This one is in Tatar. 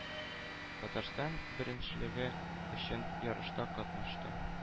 Татарстан беренчелеге өчен ярышта катнашты.